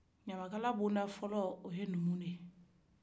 ɲamakala bonda fɔlɔ ye numu ye